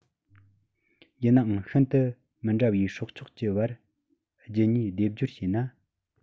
ཡིན ནའང ཤིན ཏུ མི འདྲ བའི སྲོག ཆགས ཀྱི བར རྒྱུད གཉིས སྡེབ སྦྱོར བྱས ན